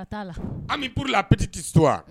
An bɛurula apiti tɛ so wa